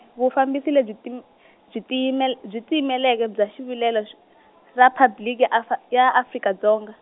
Vufambisi lebyi tim- byi timyi- byi Tiyimeleke bya Xivilelo x- Riphabliki Afa- ya Afrika Dzonga.